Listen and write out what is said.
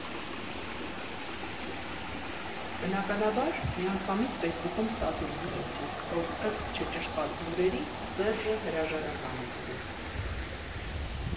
Բնականաբար, միանգամից ֆեյսբուքում ստատուս դրեցի, որ ըստ չճշտված լուրերի, Սերժը հրաժարական է տվել։